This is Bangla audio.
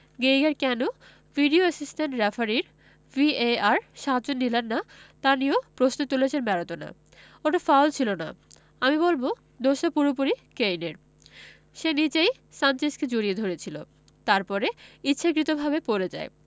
গেইগার কেন ভিডিও অ্যাসিস্ট্যান্ট রেফারির ভিএআর সাহায্য নিলেন না তা নিয়েও প্রশ্ন তুলেছেন ম্যারাডোনা ওটা ফাউল ছিল না আমি বলব দোষটা পুরোপুরি কেইনের সে নিজেই সানচেজকে জড়িয়ে ধরেছিল তারপরে ইচ্ছাকৃতভাবে পড়ে যায়